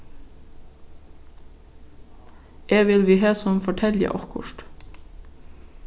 eg vil við hesum fortelja okkurt